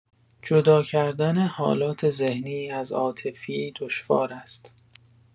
جداکردن حالات ذهنی از عاطفی دشوار است.